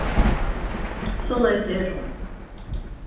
soleiðis er hon